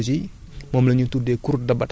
da ngay sentir ne suuf si ci kaw dafa dëgër